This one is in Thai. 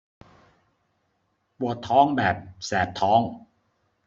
ปวดท้องแบบแสบท้อง